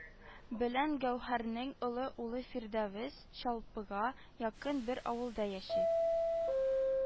Белән гәүһәрнең олы улы фирдәвес чалпыга якын бер авылда яши,